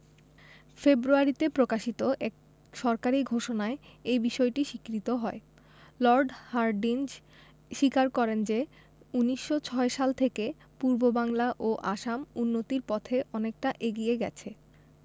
ফেব্রুয়ারিতে প্রকাশিত এক সরকারি ঘোষণায় এ বিষয়টি স্বীকৃত হয় লর্ড হার্ডিঞ্জ স্বীকার করেন যে ১৯০৬ সাল থেকে পূর্ববাংলা ও আসাম উন্নতির পথে অনেকটা এগিয়ে গেছে